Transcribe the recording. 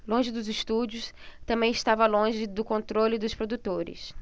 longe dos estúdios também estava longe do controle dos produtores